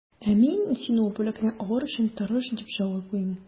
Ә мин, син ул бүләкне алыр өчен тырыш, дип җаваплыйм.